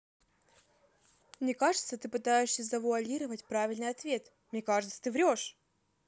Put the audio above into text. мне кажется ты пытаешься завуалировать правильный ответ мне кажется ты врешь